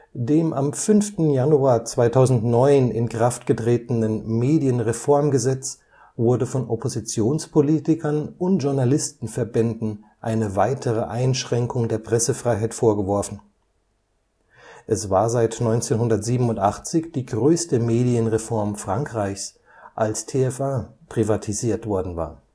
Dem am 5. Januar 2009 in Kraft getretenen Medienreformgesetz wurde von Oppositionspolitikern und Journalistenverbänden eine weitere Einschränkung der Pressefreiheit vorgeworfen. Es war seit 1987 die größte Medienreform Frankreichs, als TF1 privatisiert worden war